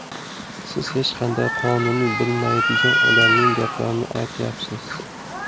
siz hech qanday qonunni bilmaydigan odamning gaplarini aytyapsiz